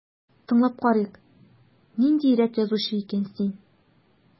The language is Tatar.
Тыңлап карыйк, ниндирәк язучы икән син...